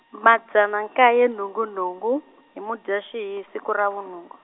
madzana nkaye nhungu nhungu, hi Mudyaxihi siku ra vu nhungu.